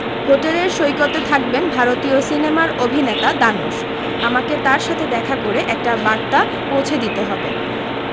হোটেলের সৈকতে থাকবেন ভারতীয় সিনেমার অভিনেতা ধানুশ আমাকে তার সাথে দেখা করে একটি বার্তা পৌঁছে দিতে হবে